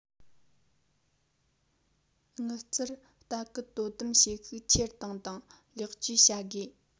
དངུལ རྩར ལྟ སྐུལ དོ དམ བྱེད ཤུགས ཆེར གཏོང དང ལེགས བཅོས བྱ དགོས